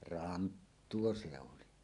ranttua se oli